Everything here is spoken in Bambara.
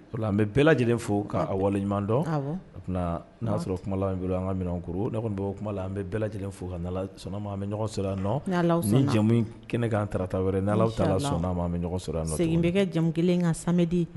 O an bɛ bɛɛ lajɛlen fo k'a wale ɲuman dɔn a n'a y'a sɔrɔ kumala an ka minɛn koro ne kɔni kuma la an bɛ bɛɛ lajɛlen fo ka sɔnnama bɛ sɔrɔ nɔ jamu kɛnɛ ka taarata wɛrɛ n' sɔnnama mɛ nɔ segin bɛkɛja kelen ka samɛden